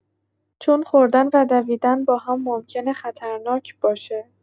چون خوردن و دویدن با هم ممکنه خطرناک باشه.